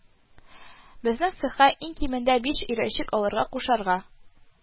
Безнең цехка иң кимендә биш өйрәнчек алырга кушарга